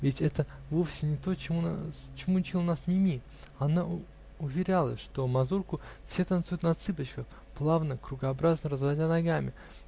-- Ведь это вовсе не то, чему учила нас Мими: она уверяла, что мазурку все танцуют на цыпочках, плавно кругообразно разводя ногами